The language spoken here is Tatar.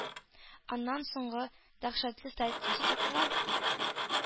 Аннан соңгы дәһшәтле статистикага,